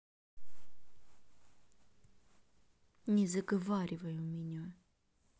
не заговаривай у меня